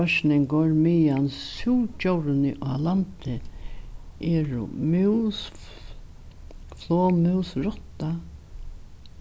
roysningur meðan súgdjórini á landi eru mús flogmús rotta